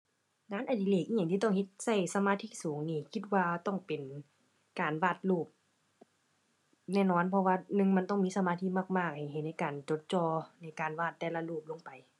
งานอดิเรกอิหยังที่ต้องเฮ็ดใช้สมาธิสูงนี่คิดว่าต้องเป็น การวาดรูปแน่นอน เพราะว่าหนึ่งมันต้องมีสมาธิมากมากให้เฮ็ดในการจดจ่อ ในการวาดแต่รูปลงไป